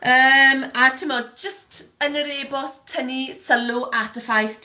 Yym a timod jyst yn yr e-bost tynnu sylw at y ffaith timod.